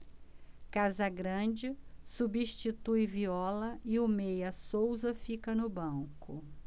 casagrande substitui viola e o meia souza fica no banco